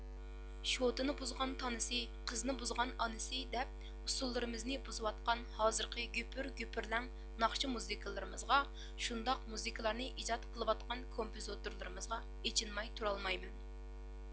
شوتىنى بۇزغان تانىسى قىزنى بۇزغان ئانىسى دەپ ئۇسسۇللىرىمىزنى بۇزۇۋاتقان ھازىرقى گۈپۈر گۈپۈرلەڭ ناخشا مۇزىكىلىرىمىزغا شۇنداق مۇزىكىلارنى ئىجاد قىلىۋاتقان كومپىزوتۇرلىرىمىزغا ئېچىنماي تۇرالمايمەن